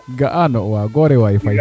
ga'aano waaw goore waay Faye